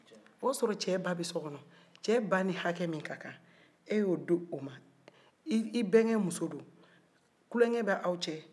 o ya sɔrɔ cɛ ba bɛ so kɔnɔ cɛ ba ni hakɛ min ka kan e y'o di o man e bɛnkɛ muso don kulonkɛ bɛ aw cɛ